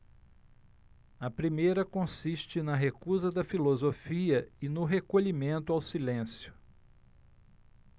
a primeira consiste na recusa da filosofia e no recolhimento ao silêncio